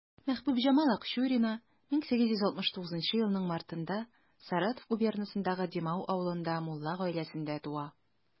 Мәхбүбҗамал Акчурина 1869 елның мартында Саратов губернасындагы Димау авылында мулла гаиләсендә туа.